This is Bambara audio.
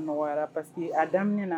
a nɔgɔya la parce que a daminɛ na